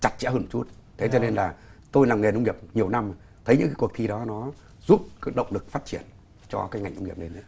chặt chẽ hơn chút thế cho nên là tôi làm nghề nông nghiệp nhiều năm thấy những cuộc thi đó nó giúp các động lực phát triển cho các ngành công nghiệp